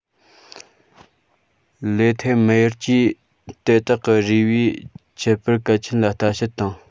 ལུ ཐེ མི ཡེར གྱིས དེ དག གི རུས པའི ཁྱད པར གལ ཆེན ལ ལྟ དཔྱད དང